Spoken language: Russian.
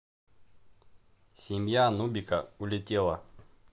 семья нубика улетела